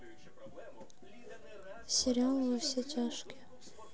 сериал во все тяжкие